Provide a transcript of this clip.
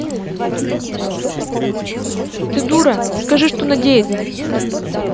ты дура скажи что надеть